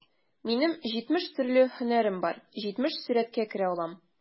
Минем җитмеш төрле һөнәрем бар, җитмеш сурәткә керә алам...